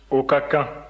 o ka kan